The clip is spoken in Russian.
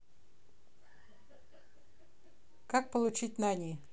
как получить нани